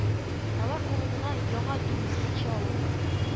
Алар урынына яңа дүрт уенчы алынды